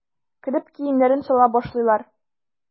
Кереп киемнәрен сала башлыйлар.